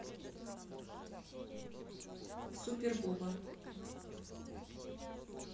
супер буба